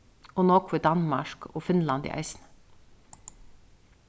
og nógv í danmark og finnlandi eisini